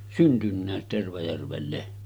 syntynytkin Tervajärvelle